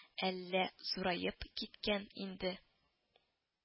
Әллә зураеп киткән инде